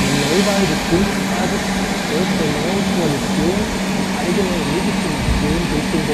Neuwahl des Bundestages sollte der neuen Koalition eine eigene Legitimation durch den